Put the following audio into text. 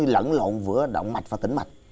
lẫn lộn vữa động mạch và tĩnh mạch